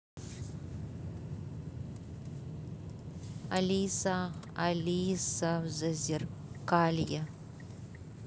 алиса алиса в зазеркалье